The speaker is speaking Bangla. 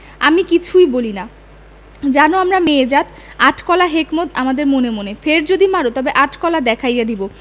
আমি কিছুই বলি না জান আমরা মেয়ে জাত আট কলা হেকমত আমাদের মনে মনে ফের যদি মার তবে আট কলা দেখাইয়া দিব